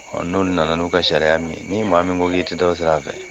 Ɔ n'o nana n'u ka sariya min n'i ye maa min ko k ii tɛ sira fɛ